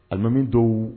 Alimami don